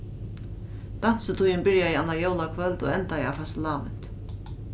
dansitíðin byrjaði annað jólakvøld og endaði á fastalávint